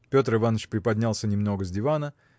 Петр Иваныч приподнялся немного с дивана